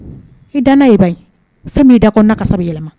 I da n'a ye ba in. fɛn min i da kɔnɔna kasa be yɛlɛma.